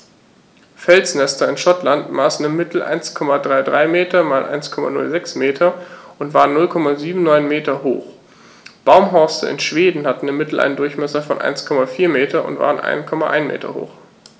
Felsnester in Schottland maßen im Mittel 1,33 m x 1,06 m und waren 0,79 m hoch, Baumhorste in Schweden hatten im Mittel einen Durchmesser von 1,4 m und waren 1,1 m hoch.